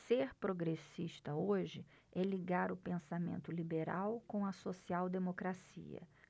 ser progressista hoje é ligar o pensamento liberal com a social democracia